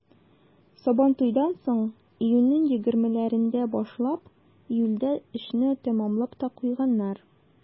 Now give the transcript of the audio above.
Сабантуйдан соң, июньнең егермеләрендә башлап, июльдә эшне тәмамлап та куйганнар.